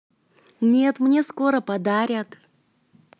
нет мне скоро подарят